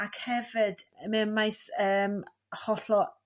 Ac hefyd mewn maes hollol eraill